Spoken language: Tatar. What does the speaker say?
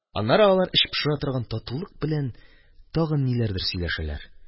Аннары алар эч пошыра торган татулык белән тагын ниләрдер сөйләшәләр.